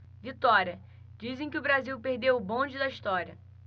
vitória dizem que o brasil perdeu o bonde da história